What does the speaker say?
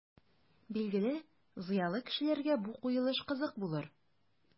Билгеле, зыялы кешеләргә бу куелыш кызык булыр.